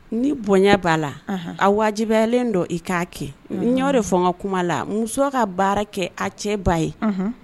Ni bonya b'a la a wajibilen don i k'a kɛ de fɔ n ka kuma la muso ka baara kɛ a cɛ ba ye